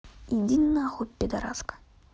иди нахуй пидараска